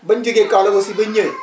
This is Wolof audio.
bañ jógee Kaolack aussi bañ ñëwee